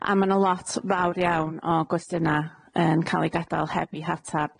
A ma' 'na lot fawr iawn o gwestiyna' yn ca'l eu gadal heb 'u hatab,